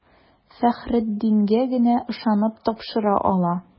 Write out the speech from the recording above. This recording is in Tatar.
Фәхреддингә генә ышанып тапшыра ала.